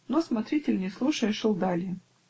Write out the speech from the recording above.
Но смотритель, не слушая, шел далее.